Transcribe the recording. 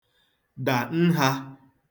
dà nhā